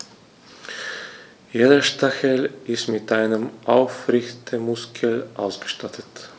Jeder Stachel ist mit einem Aufrichtemuskel ausgestattet.